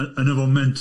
Yn yn yn y foment.